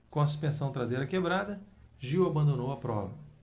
com a suspensão traseira quebrada gil abandonou a prova